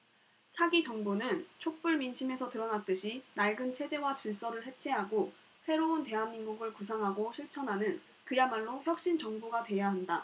차기 정부는 촛불 민심에서 드러났듯이 낡은 체제와 질서를 해체하고 새로운 대한민국을 구상하고 실천하는 그야말로 혁신 정부가 돼야 한다